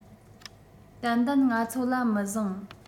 ཏན ཏན ང ཚོ ལ མི བཟང